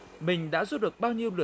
mình đã giúp được bao nhiêu